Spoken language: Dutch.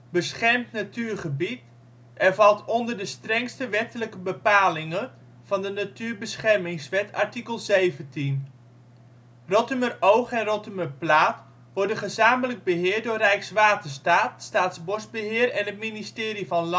beschermd natuurgebied en valt onder de strengste wettelijke bepalingen van de Natuurbeschermingswet (artikel 17). Rottumeroog en Rottumerplaat worden gezamenlijk beheerd door Rijkswaterstaat, Staatsbosbeheer en het Ministerie van Landbouw